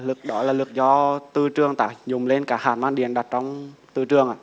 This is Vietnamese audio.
lực đó là lực do từ trường tác dụng lên các hạt mang điện đặt trong từ trường ạ